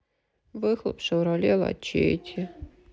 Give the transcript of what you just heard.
выхлоп шевроле лачетти